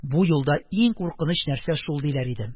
Бу юлда иң куркыныч нәрсә шул, диләр иде.